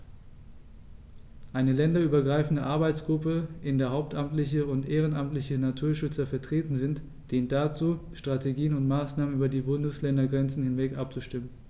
Eine länderübergreifende Arbeitsgruppe, in der hauptamtliche und ehrenamtliche Naturschützer vertreten sind, dient dazu, Strategien und Maßnahmen über die Bundesländergrenzen hinweg abzustimmen.